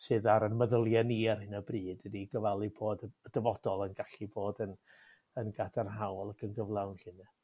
sydd ar 'yn meddylie ni ar hyn o bryd ydi gofalu bod y dyfodol yn gallu bod yn yn gadarnhaol ac yn gyflawn 'lly 'de.